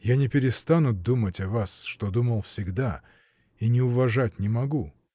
Я не перестану думать о вас, что думал всегда, и не уважать не могу.